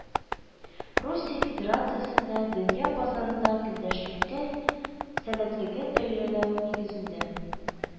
Русия Федерациясендә, дөнья базарында көндәшлеккә сәләтлеген бәяләү нигезендә